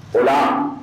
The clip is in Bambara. O